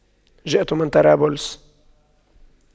جئت من طرابلس